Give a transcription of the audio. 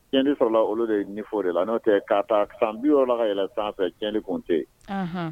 Cɛnɲɛnni sɔrɔla olu de nin fɔ de la n'o tɛ' san bi yɔrɔ kaɛlɛn san cɛnanikun tɛ